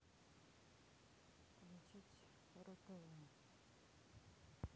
включить ру тв